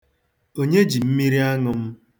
Onye ji mmiriaṅụ̄ m?